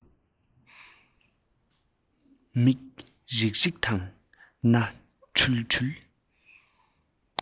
མིག རིག རིག དང སྣ འགུལ འགུལ